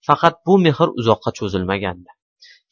vaqat bu mehr uzoqqa cho'zilmagandi